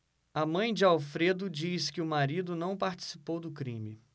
a mãe de alfredo diz que o marido não participou do crime